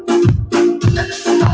đúng rồi